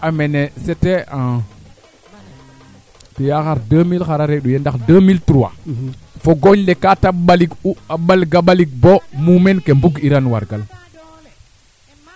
roog fee xana deɓ maaga a teɓala yoon na fo a yond nax o fooge koy fara fo mene ne'a o wetan win to'a soɓa i mboge no zone naaga maaga